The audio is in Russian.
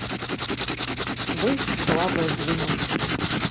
вы слабое звено